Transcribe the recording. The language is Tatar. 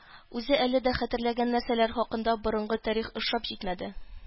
Үзе әле дә хәтерләгән нәрсәләр хакында борынгы тарих ошап җитмәде